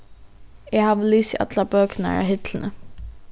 eg havi lisið allar bøkurnar á hillini